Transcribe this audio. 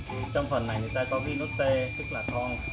trong bài này người ta ghi chữ t